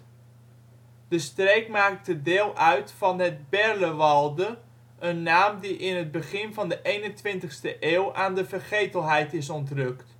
streek maakte deel uit van het Berlewalde, een naam die in het begin van de 21e eeuw aan de vergetelheid is ontrukt